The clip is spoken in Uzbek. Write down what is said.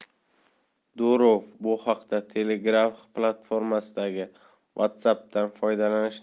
durov bu haqda telegraph platformasidagi whatsapp'dan foydalanish